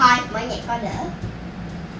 thôi mở nhạc nhảy chơi